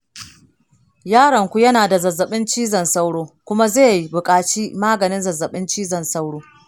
yaronku yana da zazzaɓin cizon sauro kuma zai buƙaci maganin zazzaɓin cizon sauro.